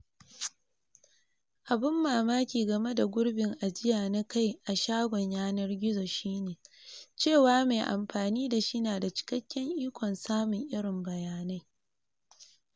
Abun ban mamaki game da gurbin ajiya na kai a shagon yanar gizo shi ne cewa mai amfani da shi na da cikakken ikon samun irin bayanai.